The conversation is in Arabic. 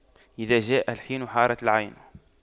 إذا جاء الحين حارت العين